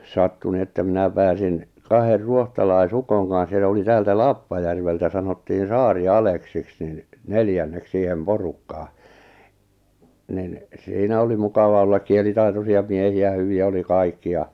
sattui no että minä pääsin kahden ruotsalaisukon kanssa ja se oli täältä Lappajärveltä sanottiin Saari-Aleksiksi niin neljänneksi siihen porukkaan niin siinä oli mukava olla kielitaitoisia miehiä hyviä oli kaikki ja